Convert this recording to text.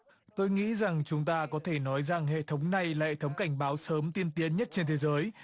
tôi nghĩ rằng chúng ta có thể nói rằng hệ thống này là hệ thống cảnh báo sớm tiên tiến nhất trên thế giới